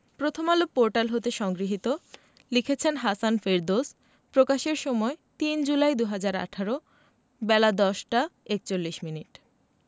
Prothom Alo portal হতে সংগৃহীত লিখেছেন হাসান ফেরদৌস প্রকাশের সময় ৩ জুলাই ২০১৮ বেলা ১০টা ৪১মিনিট